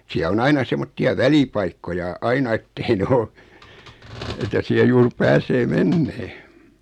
siellä on aina semmoisia välipaikkoja aina että ei ne ole että siellä juuri pääsee menemään